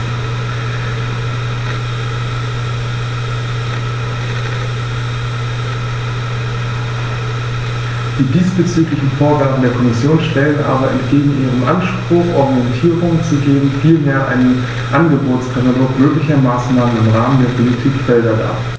Die diesbezüglichen Vorgaben der Kommission stellen aber entgegen ihrem Anspruch, Orientierung zu geben, vielmehr einen Angebotskatalog möglicher Maßnahmen im Rahmen der Politikfelder dar.